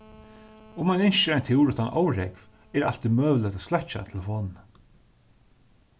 um ein ynskir ein túr uttan órógv er altíð møguligt at sløkkja telefonina